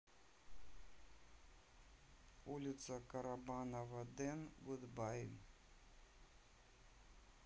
улица карабанова дэн гудбай